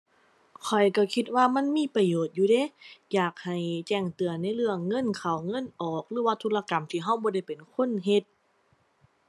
ข้อยก็คิดว่ามันมีประโยชน์อยู่เดะ อยากให้แจ้งเตือนในเรื่องเงินเข้าเงินออกหรือว่าธุรกรรมที่ก็บ่ได้เป็นคนเฮ็ด